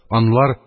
Анлар